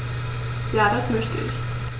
Ja, das möchte ich.